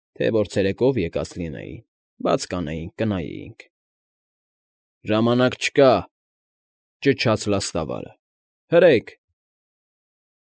Թե որ ցերեկով եկած լինեին, բայց կանեինք, կնայեինք։ ֊ Ժամանակ չկա,֊ ճչաց լաստավարը։֊ Հրե՛ք։